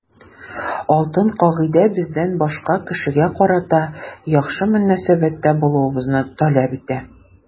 Алтын кагыйдә бездән башка кешегә карата яхшы мөнәсәбәттә булуыбызны таләп итә.